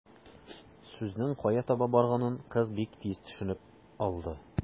Сүзнең кая таба барганын кыз бик тиз төшенеп алды.